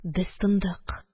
Без тындык